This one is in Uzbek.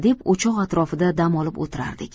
deb o'choq atrofida dam olib o'tirardik